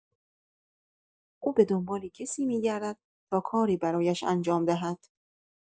او به دنبال کسی می‌گردد تا کاری برایش انجام دهد.